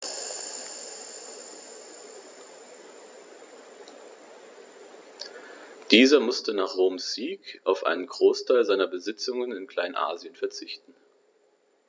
Dieser musste nach Roms Sieg auf einen Großteil seiner Besitzungen in Kleinasien verzichten.